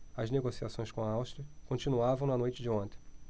as negociações com a áustria continuavam na noite de ontem